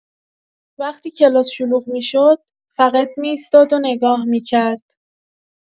وقتی کلاس شلوغ می‌شد، فقط می‌ایستاد و نگاه می‌کرد.